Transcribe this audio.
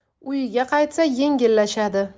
uyiga qaytsa yengillashadi